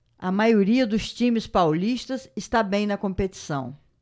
a maioria dos times paulistas está bem na competição